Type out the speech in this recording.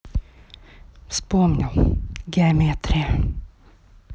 вспомнил геометрия